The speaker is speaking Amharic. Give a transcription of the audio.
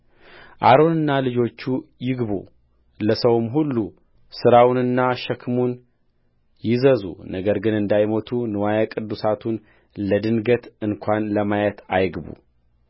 አሮንና ልጆቹ ይግቡ ለሰውም ሁሉ ሥራውንና ሸክሙን ይዘዙነገር ግን እንዳይሞቱ ንዋየ ቅድሳቱን ለድንገት እንኳ ለማየት አይግቡ